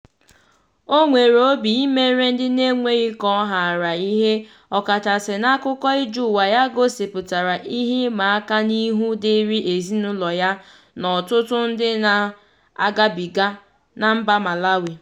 O nwere obi i meere ndị n'enweghi ka ọ haara ihe ọkachasị na akụkọ ije ụwa ya gosipụtara ihe ịma aka n'ihu dịrị ezinaụlọ ya na ọtụtụ ndị na-agabiga na mba Malawi.